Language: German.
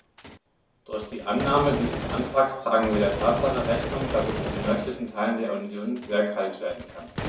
Durch die Annahme dieses Antrags tragen wir der Tatsache Rechnung, dass es in den nördlichen Teilen der Union sehr kalt werden kann.